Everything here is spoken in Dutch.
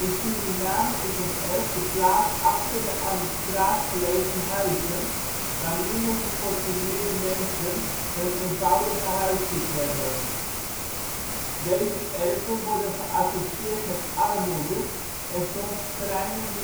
Suriname is een erf de plaats achter de aan de straat gelegen huizen, waar minder gefortuneerde mensen hun eenvoudige huisjes hebben. Deze erven worden geassocieerd met armoede en soms schrijnende hygiënische